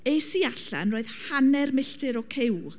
Es i allan, roedd hanner milltir o ciw.